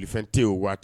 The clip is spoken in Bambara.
Fɛn tɛ o waati